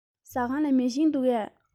ཟ ཁང ལ མེ ཤིང འདུག གས